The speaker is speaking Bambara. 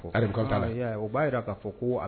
< <an i y'aye o b'a yira k'a fɔ ko a